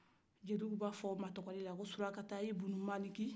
jeli b'a fɔ cogomin na ko sulakata ibun maliki